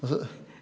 altså.